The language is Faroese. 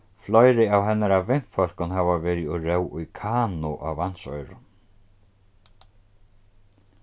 fleiri av hennara vinfólkum hava verið og róð í kano á vatnsoyrum